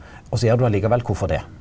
også gjer du det likevel korfor det?